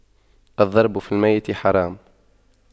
الضرب في الميت حرام